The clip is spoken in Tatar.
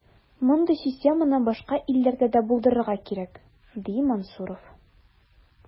Мондый системаны башка илләрдә дә булдырырга кирәк, ди Мансуров.